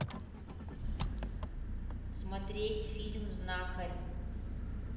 смотреть фильм знахарь